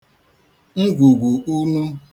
ngwùgwù unū